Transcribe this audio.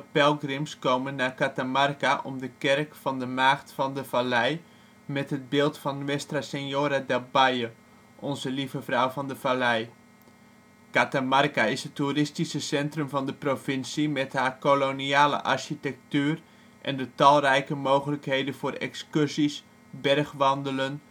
pelgrims komen naar Catamarca om de Kerk van de Maagd van de Vallei (1694), met het beeld van Nuestra Señora del Valle (Onze Lieve Vrouwe van de Vallei). Catamarca is het toeristische centrum van de provincie, met haar koloniale architectuur en de talrijke mogelijkheden voor excursies, bergwandelen